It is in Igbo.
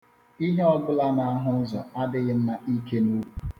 Ihe ọ bụla na-ahụ ụzọ adịghị mma ike n'ukwu.